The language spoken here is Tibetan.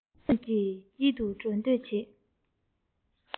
མི ཚོགས དཀྱིལ དུ འགྲོ སྡོད བྱེད